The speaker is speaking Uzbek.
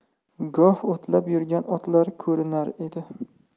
goh o'tlab yurgan otlar ko'rinar edi